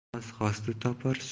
xos xosni topar